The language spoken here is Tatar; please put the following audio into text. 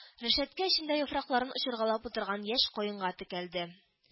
Рәшәткә эчендә яфракларын очыргалап утырган яшь каенга текәлде